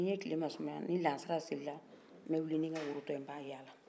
ni ye tile masumaya ni lahasara sera n bɛ wili nin ka woro tɔ ye n ba yala